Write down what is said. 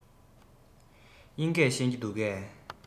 དབྱིན སྐད ཤེས ཀྱི འདུག གས